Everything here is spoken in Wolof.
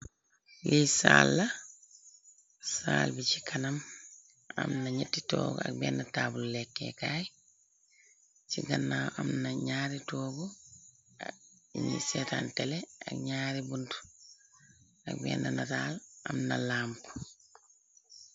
Lii saal la saal bi ci kanam am na ñetti toogu ak benn taabul lekkeekaay. Ci gannaaw am na ñaari toogu ak ni seetaan tele. Ak ñaari bunt ak benn nataal am na lamp.